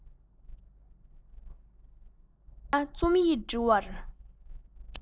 འོ ན རྩོམ ཡིག འབྲི བར